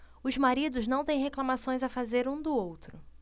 os maridos não têm reclamações a fazer um do outro